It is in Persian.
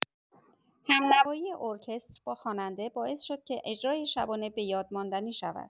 همنوایی ارکستر با خواننده باعث شد که اجرای شبانه بۀادماندنی شود.